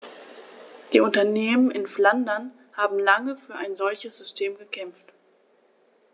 Die Unternehmen in Flandern haben lange für ein solches System gekämpft.